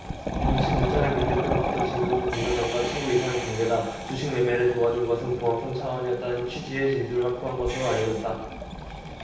당시 검찰은 김 대표로부터 진경준 검사장과 친구 이상의 관계다 주식 매매를 도와준 것은 보험성 차원이었다는 취지의 진술을 확보한 것으로 알려졌다